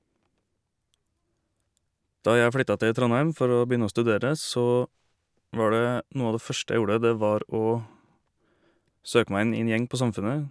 Da jeg flytta til Trondheim for å begynne å studere så var det noe av det første jeg gjorde det var å søke meg inn i en gjeng på Samfundet.